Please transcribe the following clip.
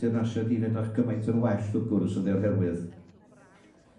###teyrnasiad hi'n edrych gymaint yn well o gwrs ynde o'r herwydd.